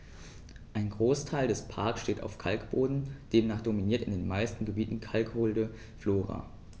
Ein Großteil des Parks steht auf Kalkboden, demnach dominiert in den meisten Gebieten kalkholde Flora.